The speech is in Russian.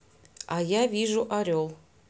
а я вижу орел